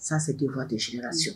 ça c'est devoir de génération